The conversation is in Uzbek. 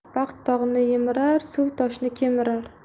vaqt tog'ni yemirar suv toshni kemirar